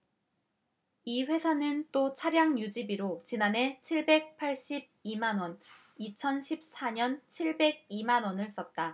이 회사는 또 차량유지비로 지난해 칠백 팔십 이 만원 이천 십 사 년 칠백 이 만원을 썼다